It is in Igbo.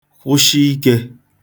kwụshi ikē